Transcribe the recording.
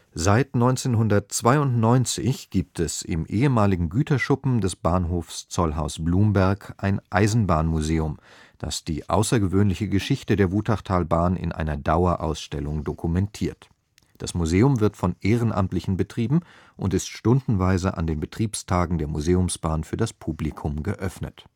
Seit 1992 gibt es im ehemaligen Güterschuppen des Bahnhofs Zollhaus-Blumberg ein Eisenbahnmuseum, das die außergewöhnliche Geschichte der Wutachtalbahn in einer Dauerausstellung dokumentiert. Das Museum wird von Ehrenamtlichen betrieben und ist stundenweise an den Betriebstagen der Museumsbahn für das Publikum geöffnet